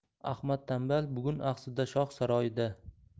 ahmad tanbal bugun axsida shoh saroyida